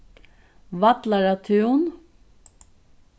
vallaratún